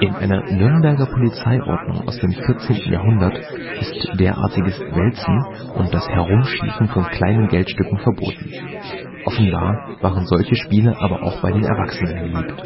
In einer Nürnberger Polizeiordnung aus dem 14. Jahrhundert ist derartiges „ Wälzen “und das Herumschießen von kleinen Geldstücken verboten. Offenbar waren solche Spiele aber auch bei den Erwachsenen beliebt